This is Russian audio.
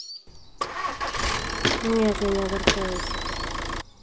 нет я не огорчаюсь